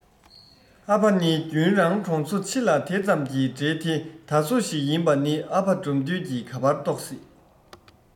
ཨ ཕ ནི རྒྱུན རང གྲོང ཚོ ཕྱི ལ དེ ཙམ གྱི འབྲེལ དེ དར སོ ཞིག ཡིན པ ནི ཨ ཕ དགྲ འདུལ གི ག པར རྟོག སྲིད